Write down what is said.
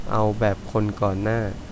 เอาแบบคนก่อนหน้า